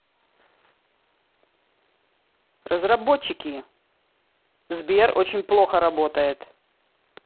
разработчики сбер очень плохо работает